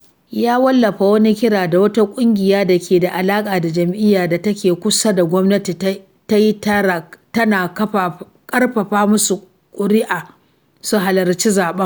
Ya wallafa wani kira da wata ƙungiya da ke da alaƙa da jam’iyya da take kusa da gwamnati ta yi, tana ƙarfafa masu ƙuri’a su halarci zaɓen.